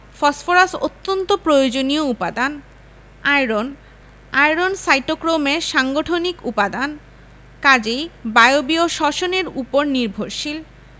phosphorus অত্যন্ত প্রয়োজনীয় উপাদান আয়রন আয়রন সাইটোক্রোমের সাংগঠনিক উপাদান কাজেই বায়বীয় শ্বসন এর উপর নির্ভরশীল